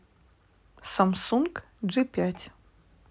samsung j пять